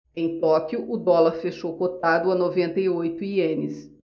em tóquio o dólar fechou cotado a noventa e oito ienes